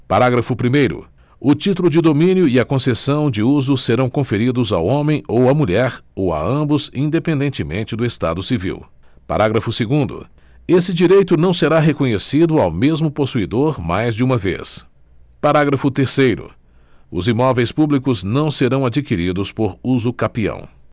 parágrafo primeiro o título de domínio e a concessão de uso serão conferidos ao homem ou à mulher ou a ambos independentemente do estado civil parágrafo segundo esse direito não será reconhecido ao mesmo possuidor mais de uma vez parágrafo terceiro os imóveis públicos não serão adquiridos por uso capião